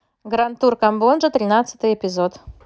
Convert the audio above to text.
гранд тур камбоджа тринадцатый эпизод